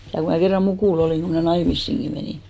ja kun minä kerran mukula olin kun minä naimisiinkin menin